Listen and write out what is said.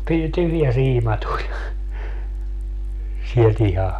- tyhjä siima tuli sieltä ihan